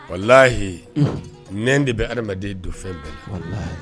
O lahi n de bɛ adamaden don fɛn bɛɛ